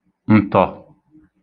ǹtọ̀